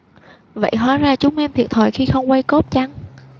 vậy hóa ra chúng em thiệt thòi khi không quay cóp chăng